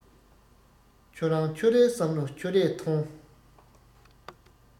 ཁྱོད རང ཁྱོད རའི བསམ བློ ཁྱོད རས ཐོངས